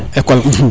école